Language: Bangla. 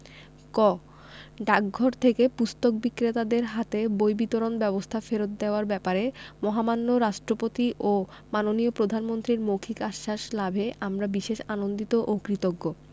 ক ডাকঘর থেকে পুস্তক বিক্রেতাদের হাতে বই বিতরণ ব্যবস্থা ফেরত দেওয়ার ব্যাপারে মহামান্য রাষ্ট্রপতি ও মাননীয় প্রধানমন্ত্রীর মৌখিক আশ্বাস লাভে আমরা বিশেষ আনন্দিত ও কৃতজ্ঞ